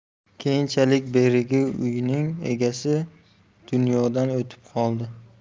keyinchalik berigi uyning egasi dunyodan o'tib qoldi